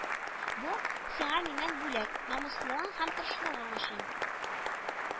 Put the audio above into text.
Бу сиңа миннән бүләк, намуслылыгың һәм тырышлыгың өчен